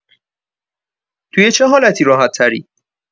توی چه حالتی راحت‌تری؟